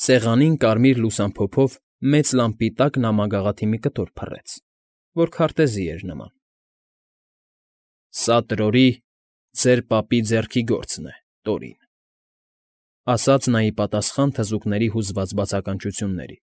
Սեղանին, կարմիր լուսամփոփով մեծ լամպի տակ նա մագաղաթի մի կտոր փռեց, որ քարտեզի էր նման։ ֊ Սա Տրորի, ձեր պապի ձեռքի գործն է, Տորին, ֊ ասաց նա ի պատասխան թզուկների հուզված բացականչությունների։֊